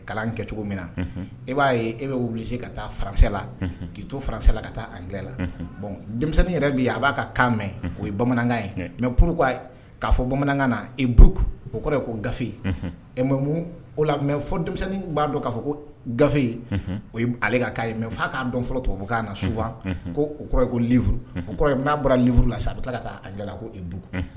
B'a e bɛ wuli ka la k'i toranla ka la denmisɛnnin yɛrɛ bɛ a b'a ka kan mɛn o ye bamanankan ye mɛ p'a fɔ bamanankan nauru o kɔrɔ ye ko gafe mɛmu o la mɛ fɔ denmisɛnnin b'a dɔn k'a fɔ ko gafe o ale ka'a ye mɛ' k'a dɔn fɔlɔ tɔgɔ' na sufa ko kɔrɔ ye ko liuru kɔrɔ n'a bɔra uru la sa a bɛ k'ala ko ebugu